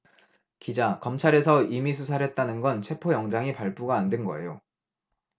기자 검찰에서 임의수사를 했다는 건 체포영장이 발부가 안 된 거예요